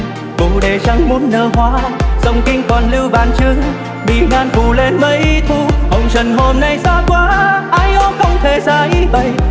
bồ đề chẳng muốn nở hoa dòng kinh còn lưu bạc chữ bì ngạn phủ lên mấy thu hồng trần hôm nay xa quá ai ố không thể dãi bày